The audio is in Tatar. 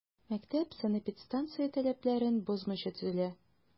Мәктәп санэпидстанция таләпләрен бозмыйча төзелә.